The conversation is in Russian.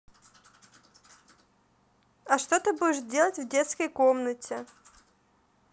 а что ты будешь делать в детской комнате